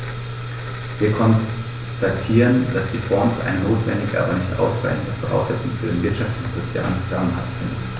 Wir konstatieren, dass die Fonds eine notwendige, aber nicht ausreichende Voraussetzung für den wirtschaftlichen und sozialen Zusammenhalt sind.